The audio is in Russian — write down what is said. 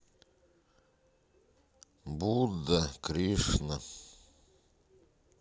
будда кришна